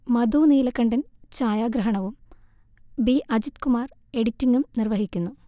മധു നീലകണ്ഠൻ ഛായാഗ്രഹണവും ബി അജിത്കുമാർ എഡിറ്റിങും നിർവഹിക്കുന്നു